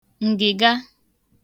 ǹgịga